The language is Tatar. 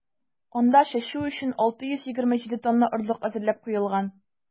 Анда чәчү өчен 627 тонна орлык әзерләп куелган.